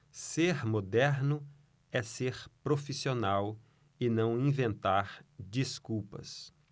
ser moderno é ser profissional e não inventar desculpas